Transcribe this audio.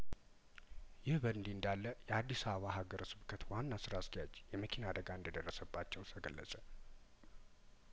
ይህ በእንዲህ እንዳለየአዲስ አበባ ሀገረስብከት ዋና ስራ አስኪያጅ የመኪና አደጋ እንደደረሰባቸው ተገለጸ